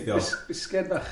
Bis- bisged bach.